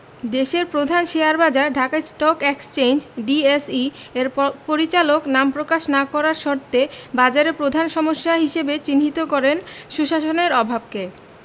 দেশের প্রধান শেয়ারবাজার ঢাকা স্টক এক্সচেঞ্জ ডিএসই এর পরিচালক নাম প্রকাশ না করার শর্তে বাজারের প্রধান সমস্যা হিসেবে চিহ্নিত করেন সুশাসনের অভাবকে